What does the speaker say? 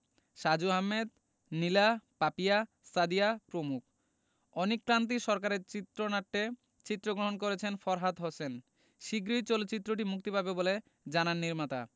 সাজু আহমেদ নীলা পাপিয়া সাদিয়া প্রমুখ অনিক কান্তি সরকারের চিত্রনাট্যে চিত্রগ্রহণ করেছেন ফরহাদ হোসেন শিগগিরই চলচ্চিত্রটি মুক্তি পাবে বলে জানান নির্মাতা